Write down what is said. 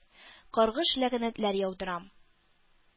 Каргыш-ләгънәтләр яудырам.